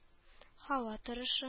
Һава торышы